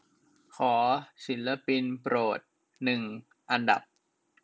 ขอศิลปินโปรดหนึ่งอันดับ